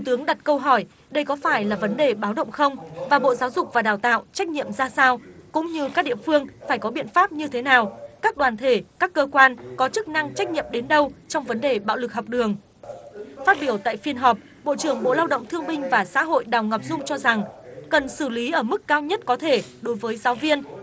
tướng đặt câu hỏi đây có phải là vấn đề báo động không và bộ giáo dục và đào tạo trách nhiệm ra sao cũng như các địa phương phải có biện pháp như thế nào các đoàn thể các cơ quan có chức năng trách nhiệm đến đâu trong vấn đề bạo lực học đường phát biểu tại phiên họp bộ trưởng bộ lao động thương binh và xã hội đào ngọc dung cho rằng cần xử lý ở mức cao nhất có thể đối với giáo viên